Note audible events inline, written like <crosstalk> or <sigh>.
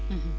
<hesitation> <hesitation>